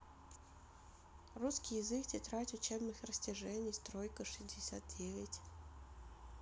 русский язык тетрадь учебных растяжений стройка шестьдесят девять